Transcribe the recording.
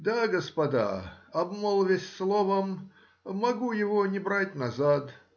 — Да, господа, обмолвясь словом, могу его не брать назад